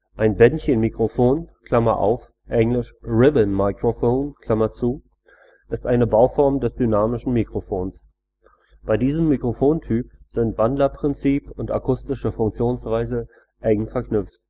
Ein Bändchenmikrofon (engl. Ribbon Microphone) ist eine Bauform des Dynamischen Mikrofons. Bei diesem Mikrofontyp sind Wandlerprinzip und akustische Funktionsweise eng verknüpft